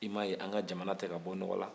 i m'a ye an ka jamana tɛ ka bɔ nɔgɔla